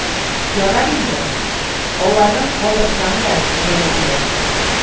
Ярар инде, аларын калдырсаң да, диде Разия